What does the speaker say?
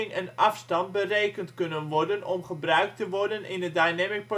en afstand berekend kunnen worden om gebruikt te worden in het dynamic positioning-systeem